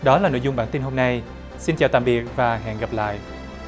đó là nội dung bản tin hôm nay xin chào tạm biệt và hẹn gặp lại